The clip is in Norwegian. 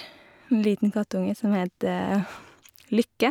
En liten kattunge som het Lykke.